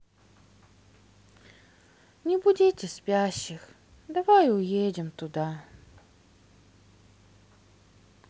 не будите спящих давай уедем туда